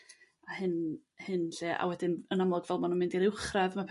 a hyn hyn 'lly a wedyn yn amlwg fel ma' nhw'n mynd i'r uwchradd ma'